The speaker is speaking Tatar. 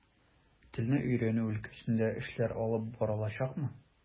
Телне өйрәнү өлкәсендә эшләр алып барылачакмы?